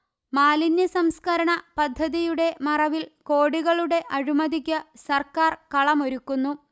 മാലിന്യസംസ്കരണ പദ്ധതിയുടെ മറവിൽ കോടികളുടെ അഴിമതിക്ക് സർക്കാർ കളമൊരുക്കുന്നു